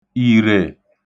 ìrè